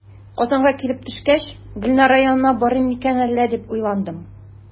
Казанга килеп төшкәч, "Гөлнара янына барыйм микән әллә?", дип уйландым.